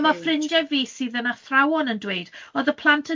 A ma' ffrindiau fi sydd yn athrawon yn dweud, oedd y plant